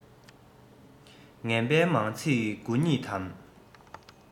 ངན པའི མང ཚིག དགུ ཉིད དམ